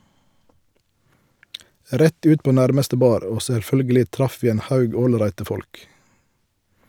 Rett ut på nærmeste bar, og selvfølgelig traff vi en haug ålreite folk.